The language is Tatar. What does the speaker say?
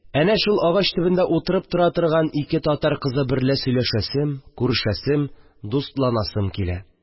Әнә шул агач төбендә утырып тора торган ике татар кызы берлә сөйләшәсем, күрешәсем, дустланасым килә